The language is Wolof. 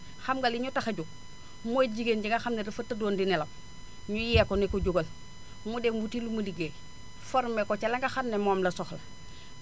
xam nga li mutuelle :frau tax a jóg mooy jigéen mutuelle :frai nga xam ne dafa tëddoon di nelaw ñu yee ko ne ko jógal mu dem wuti lu mu ligéey formé ko ca la nga xam ne moom la soxla